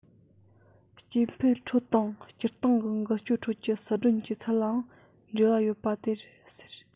སྐྱེ འཕེལ ཁྲོད དང སྤྱིར བཏང གི འགུལ སྐྱོད ཁྲོད ཀྱི ཟད གྲོན གྱི ཚད ལའང འབྲེལ བ ཡོད པ རེད ཟེར